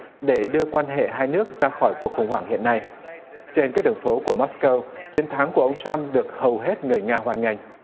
để đưa quan hệ hai nước ra khỏi cuộc khủng hoảng hiện nay trên các đường phố của móc câu chiến thắng của ông trăm được hầu hết người nga hoan nghênh